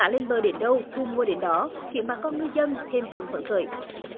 cá lên bờ đến đâu thu mua đến đó khiến bà con ngư dân thêm phần phấn khởi